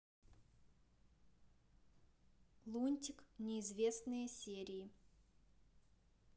лунтик неизвестные серии